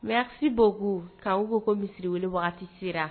Merci beaucoup k'aw fo ko misiriwele wagati sera.